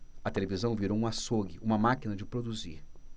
a televisão virou um açougue uma máquina de produzir